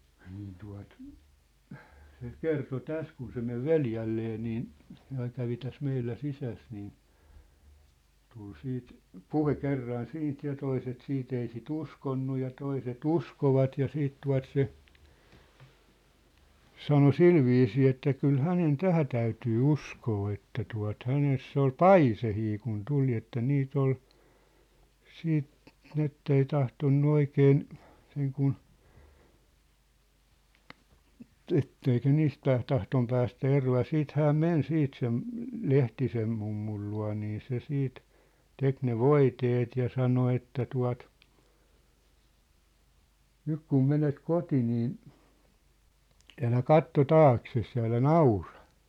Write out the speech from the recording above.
niin tuota se kertoi tässä kun se meni veljelleen niin se aina kävi tässä meillä sisässä niin tuli sitten puhe kerran siitä ja toiset sitten ei sitä uskonut ja toiset uskoivat ja sitten tuota se sanoi sillä viisiin että kyllä hänen tähän täytyy uskoa että tuota hänessä oli paiseita kun tuli että niitä oli sitten niin että ei tahtonut oikein sen kun että ei se niistä tahtonut päästä eroon ja sitten hän meni sitten sen Lehtisen mummun luo niin se sitten teki ne voiteet ja sanoi että tuota nyt kun menet kotiin niin älä katso taaksesi ja älä naura